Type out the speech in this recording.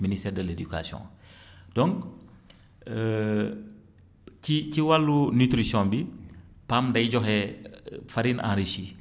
ministère de l' éducation donc ci ci wàllu nutition bi PAM day joxe farione enrichie